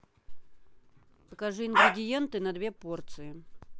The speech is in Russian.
покажи ингредиенты на две порции